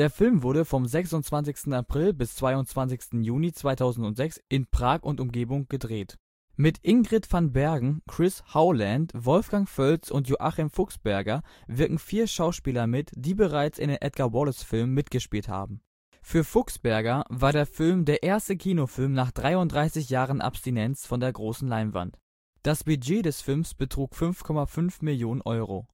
Film wurde vom 26. April bis 22. Juni 2006 in Prag und Umgebung gedreht. Mit Ingrid van Bergen, Chris Howland, Wolfgang Völz und Joachim Fuchsberger wirken vier Schauspieler mit, die bereits in den Edgar-Wallace-Filmen mitgespielt haben. Für Fuchsberger war der Film der erste Kinofilm nach 33 Jahren Abstinenz von der großen Leinwand. Das Budget des Films betrug 5,5 Millionen Euro